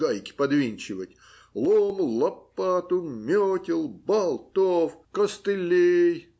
гайки подвинчивать, лом, лопату, метел, болтов, костылей